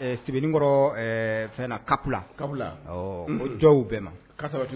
sɛbɛninkɔrɔ fɛn na kabila kabilaw bɛɛ ma